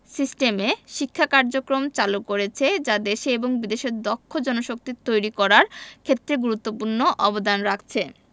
সিস্টেমে শিক্ষা কার্যক্রম চালু করেছে যা দেশে এবং বিদেশে দক্ষ জনশক্তি তৈরি করার ক্ষেত্রে গুরুত্বপূর্ণ অবদান রাখছে